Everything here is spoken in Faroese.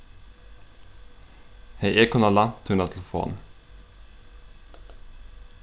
hevði eg kunnað lænt tína telefon